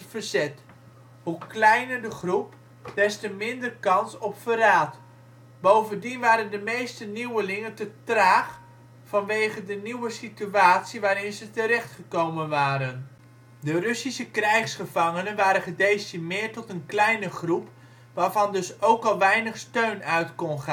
kleiner de groep, des te minder kans op verraad. Bovendien waren de meeste nieuwelingen te ' traag ' vanwege de nieuwe situatie waarin ze terechtgekomen waren. De Russische krijsgevangenen waren gedecimeerd tot een kleine groep, waarvan dus ook al weinig steun uit kon gaan